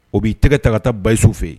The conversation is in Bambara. O b'i tɛgɛ taga taa basiso fɛ yen